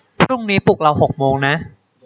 พรุ่งนี้ปลุกเราหกโมงนะ